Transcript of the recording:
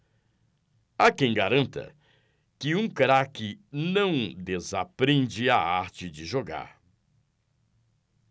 há quem garanta que um craque não desaprende a arte de jogar